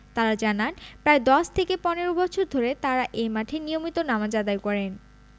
তাঁরা জানান প্রায় ১০ থেকে ১৫ বছর ধরে তাঁরা এ মাঠে নিয়মিত নামাজ আদায় করেন